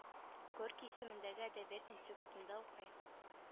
Горький исемендәге әдәбият институтында укый